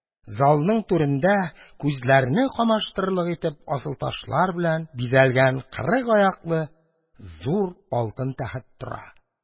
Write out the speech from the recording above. Залның түрендә күзләрне камаштырырлык итеп асылташлар белән бизәлгән кырык аяклы зур алтын тәхет тора.